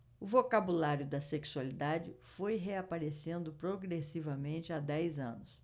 o vocabulário da sexualidade foi reaparecendo progressivamente há dez anos